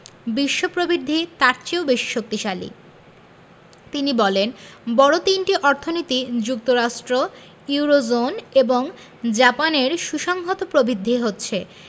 বিশ্ব প্রবৃদ্ধি তার চেয়েও শক্তিশালী তিনি বলেন বড় তিনটি অর্থনীতি যুক্তরাষ্ট্র ইউরোজোন এবং জাপানের সুসংহত প্রবৃদ্ধি হচ্ছে